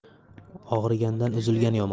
og'rigandan uzilgan yomon